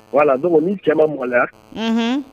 Wala don ni cɛ mɔnla